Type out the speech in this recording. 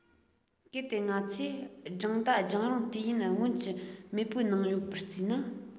གལ ཏེ ང ཚོས སྦྲང མདའ རྒྱང རིང དུས ཡུན སྔོན གྱི མེས པོའི ནང ཡོད པར བརྩིས ན